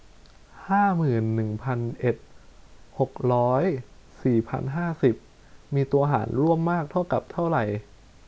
ห้าหมื่นหนึ่งพันเอ็ดหกร้อยสี่พันห้าสิบมีตัวหารร่วมมากเท่ากับเท่าไหร่